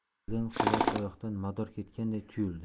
beldan quvvat oyoqdan mador ketganday tuyuldi